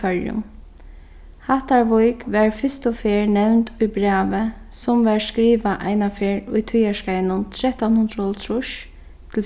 føroyum hattarvík var fyrstu ferð nevnd í brævi sum var skrivað einaferð í tíðarskeiðnum trettan hundrað og hálvtrýss